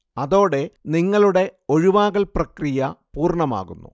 അതോടെ നിങ്ങളുടെ ഒഴിവാകൽ പ്രക്രിയ പൂർണ്ണമാകുന്നു